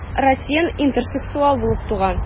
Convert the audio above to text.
Ратьен интерсексуал булып туган.